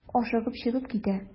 Ашыгып чыгып китә.